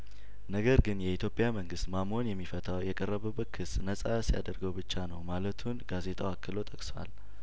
ነገር ግን የኢትዮጵያ መንግስት ማሞን የሚፈታው የቀረበበት ክስ ነጻ ሲያደርገው ብቻ ነው ማለቱን ጋዜጣው አክሎ ጠቅሷል